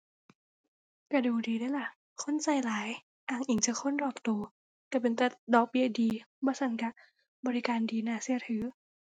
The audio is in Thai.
ก็ดูดีเดะล่ะ คนก็หลาย อ้างอิงจากคนรอบก็ ก็เป็นตาดอกเบี้ยดี บ่ซั้นก็บริการดี น่าก็ถือ